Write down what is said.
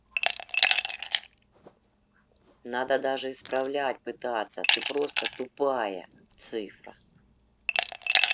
надо даже исправлять пытаться ты просто тупая цифра